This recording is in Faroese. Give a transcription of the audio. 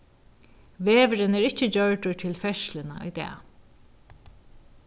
vegurin er ikki gjørdur til ferðsluna í dag